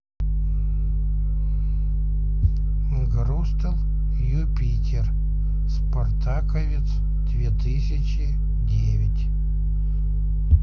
crystal юпитер спартаковец две тысячи девять